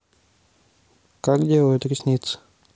как делают ресницы